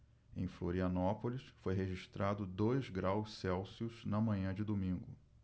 em florianópolis foi registrado dois graus celsius na manhã de domingo